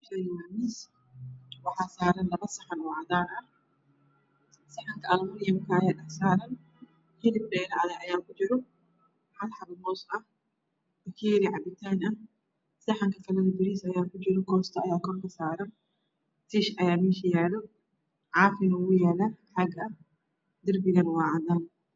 Waa miis waxaa saran laap saxan oo cadaan ah saxanka almuuniyamanaka waxaa ku jira dheylo hala xapo moos ah pakeeri capitaana ah saxanka kale bariis Kosta kor sarantahy tuush ayaa mesha yaalo cafine wuu yaala caag ah darpigana waa cadaan